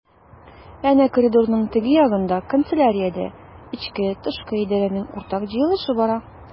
Әнә коридорның теге ягында— канцеляриядә эчке-тышкы идарәнең уртак җыелышы бара.